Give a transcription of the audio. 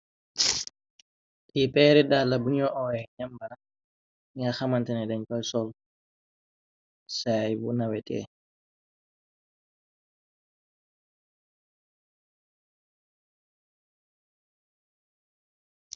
Le peeri dala buñu awee ñambara ñinga xamantne dañ koy sol saay bu nawetee.